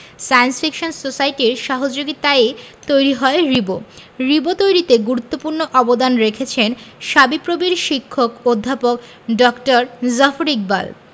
science fiction সোসাইটির সহযোগিতায়ই তৈরি হয় রিবো রিবো তৈরিতে গুরুত্বপূর্ণ অবদান রেখেছেন শাবিপ্রবির শিক্ষক অধ্যাপক ড জাফর ইকবাল